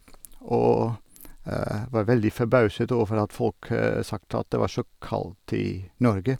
Og var veldig forbauset over at folk sagt at det var så kaldt i Norge.